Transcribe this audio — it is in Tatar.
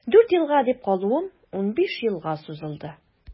Дүрт елга дип калуым унбиш елга сузылды.